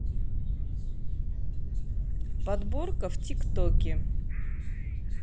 подборка в тик токе